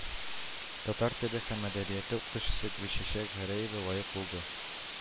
Татар теле һәм әдәбияты укытучысы гөлчәчәк гәрәева лаек булды